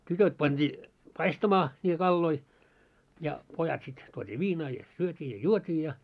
tytöt pantiin paistamaan niitä kaloja ja pojat sitten tuotiin viinaa ja syötiin ja juotiin ja